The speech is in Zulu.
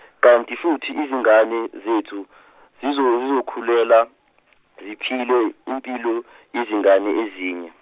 kanti futhi izingane zethu zizo zizokhulela, ziphile impilo yezingane ezinye.